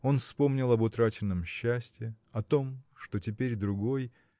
Он вспомнил об утраченном счастье, о том, что теперь другой.